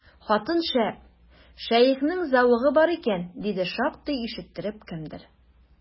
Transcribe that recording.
Хатын шәп, шәехнең зәвыгы бар икән, диде шактый ишеттереп кемдер.